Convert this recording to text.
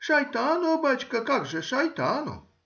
— Шайтану, бачка, как же — шайтану.